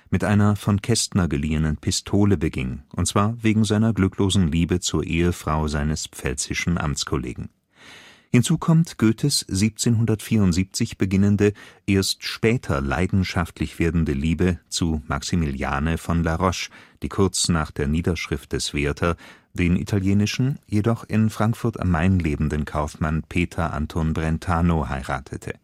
mit einer von Kestner geliehenen Pistole beging, und zwar wegen seiner glücklosen Liebe zur Ehefrau seines pfälzischen Amtskollegen. Hinzu kommt Goethes 1774 beginnende, erst später leidenschaftlich werdende Liebe zu Maximiliane von La Roche, die kurz nach der Niederschrift des „ Werther “den italienischen, jedoch in Frankfurt am Main lebenden Kaufmann Peter Anton Brentano heiratete